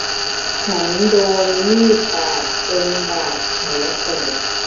ฉันโดนมีดบาดจนบาดแผลเปิด